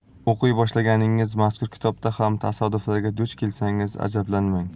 o'qiy boshlaganingiz mazkur kitobda ham tasodiflarga duch kelsangiz ajablanmang